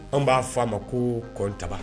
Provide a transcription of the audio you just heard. An b'a f' ma ko kɔntaba